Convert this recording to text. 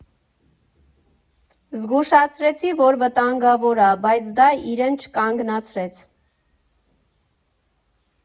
Զգուշացրեցի, որ վտանգավոր ա, բայց դա իրեն չկանգնացրեց։